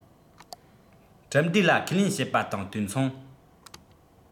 གྲུབ འབྲས ལ ཁས ལེན བྱེད པ དང དུས མཚུངས